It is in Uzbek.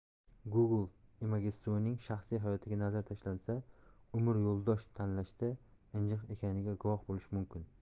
google imagesuning shaxsiy hayotiga nazar tashlansa umr yo'ldosh tanlashda injiq ekaniga guvoh bo'lish mumkin